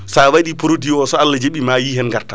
sa waɗi produit so Allah jaaɓi ma yi hen gartam